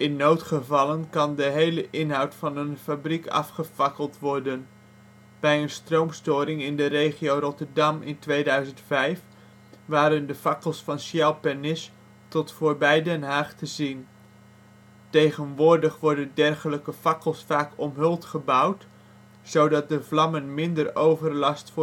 noodgevallen kan de hele inhoud van een fabriek afgefakkeld worden, bij een stroomstoring in de regio Rotterdam in 2005 waren de fakkels van Shell Pernis tot voorbij Den Haag te zien. Tegenwoordig worden dergelijke fakkels vaak omhuld gebouwd, zodat de vlammen minder overlast